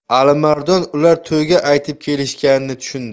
alimardon ular to'yga aytib kelishganini tushundi